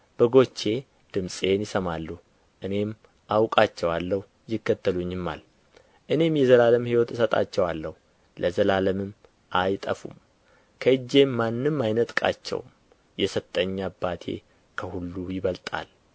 በጎቼ ድምፄን ይሰማሉ እኔም አውቃቸዋለሁ ይከተሉኝማል እኔም የዘላለም ሕይወትን እሰጣቸዋለሁ ለዘላለምም አይጠፉም ከእጄም ማንም አይነጥቃቸውም የሰጠኝ አባቴ ከሁሉ ይበልጣል